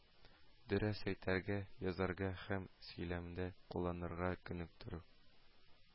Дөрес əйтергə, язарга һəм сөйлəмдə кулланырга күнектерү